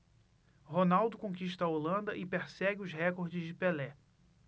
ronaldo conquista a holanda e persegue os recordes de pelé